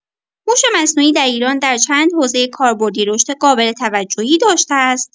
هوش مصنوعی در ایران در چند حوزه کاربردی رشد قابل توجهی داشته است.